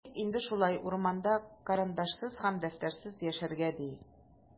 Ничек инде шулай, урманда карандашсыз һәм дәфтәрсез яшәргә, ди?!